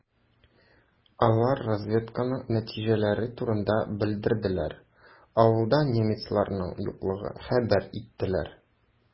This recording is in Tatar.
Алар разведканың нәтиҗәләре турында белдерделәр, авылда немецларның юклыгын хәбәр иттеләр.